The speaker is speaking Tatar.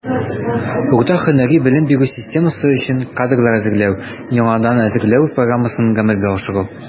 Урта һөнәри белем бирү системасы өчен кадрлар әзерләү (яңадан әзерләү) программасын гамәлгә ашыру.